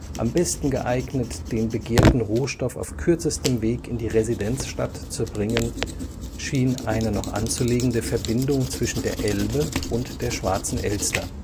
Am besten geeignet, den begehrten Rohstoff auf kürzestem Weg in die Residenzstadt zu bringen, schien eine noch anzulegende Verbindung zwischen der Elbe und der Schwarzen Elster